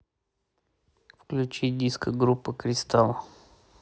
включить диско группа кристалл